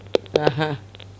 ahan